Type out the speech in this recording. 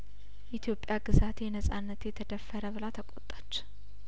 ኢትዮጵያ ግዛቴ ነጻነቴ ተደፈረ ብላ ተቆጣች